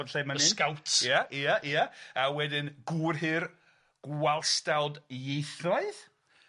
Bob lle mae'n mynd. Y sout. Ia ia ia a wedyn Gwrhyr Gwalstawd Ieithoedd.